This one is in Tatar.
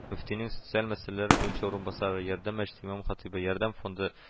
Мөфтинең социаль мәсьәләләр буенча урынбасары, “ярдәм” мәчете имам-хатыйбы, “ярдәм” фонды